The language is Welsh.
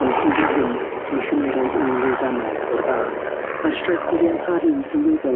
ond hyd yn hyn, ni chymerwyd unrhyw gamau o'r fath. Mae'r streic wedi amharu'n sylweddol